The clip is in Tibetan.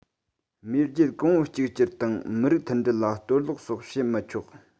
མེས རྒྱལ གོང བུ གཅིག གྱུར དང མི རིགས མཐུན སྒྲིལ ལ གཏོར བརླག སོགས བྱེད མི ཆོག